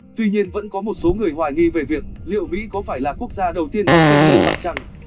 tuy nhiên vẫn có một số người hoài nghi về việc liệu mỹ có phải là quốc gia đầu tiên đặt chân lên mặt trăng